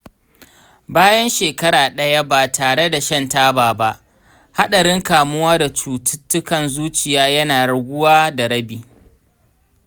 bayan shekara ɗaya ba tare da shan taba ba, haɗarin kamuwa da cututtukan zuciya yana raguwa da rabi.